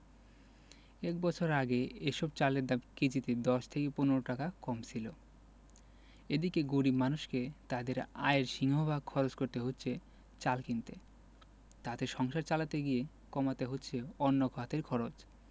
এক বছর আগে এসব চালের দাম কেজিতে ১০ থেকে ১৫ টাকা কম ছিল এদিকে গরিব মানুষকে তাঁদের আয়ের সিংহভাগ খরচ করতে হচ্ছে চাল কিনতে তাতে সংসার চালাতে গিয়ে কমাতে হচ্ছে অন্য খাতের খরচ